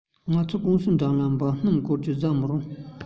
ང ཚོའི ཀུང སིའི འགྲམ གྱི འབར སྣུམ གོར དེ བཟའ མི ཐུབ